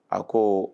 A ko